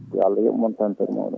yo Allah yobmon tampere moon